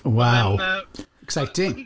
Waw! Exciting!